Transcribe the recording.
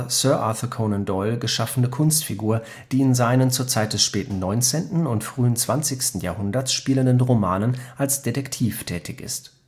Sir Arthur Conan Doyle geschaffene Kunstfigur, die in seinen zur Zeit des späten 19. und frühen 20. Jahrhunderts spielenden Romanen als Detektiv tätig ist